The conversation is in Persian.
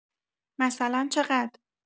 مثلا چقد؟